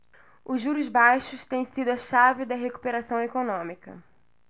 os juros baixos têm sido a chave da recuperação econômica